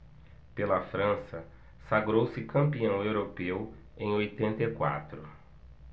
pela frança sagrou-se campeão europeu em oitenta e quatro